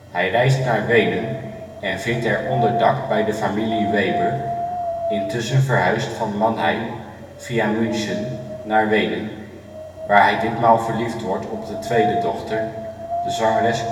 Hij reist naar Wenen en vindt er onderdak bij de familie Weber (intussen verhuisd van Mannheim via München naar Wenen), waar hij ditmaal verliefd wordt op de tweede dochter, de zangeres